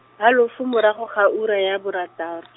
halofo morago ga ura ya boratar-.